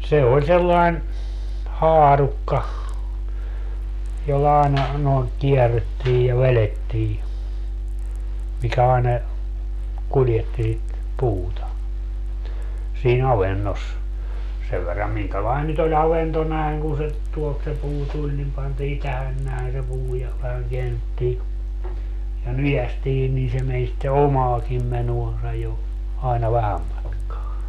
se oli sellainen haarukka jolla aina noin kierrettiin ja vedettiin mikä aina kuljetti sitä puuta siinä avannossa sen verran minkälainen nyt oli avanto näin kun se tuolta se puu tuli niin pantiin tähän näin se puu ja vähän käännettiin ja nykäistiin niin se meni sitten omaakin menoansa jo aina vähän matkaa